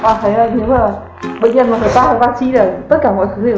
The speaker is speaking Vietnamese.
các bạn có thể thấy bệnh nhân nếu hợp tác với bác sĩ thì mọi chuyện đều rất đơn giản